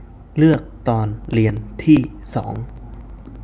เลือกตอนเรียนที่สอง